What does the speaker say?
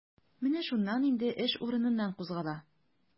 Менә шуннан инде эш урыныннан кузгала.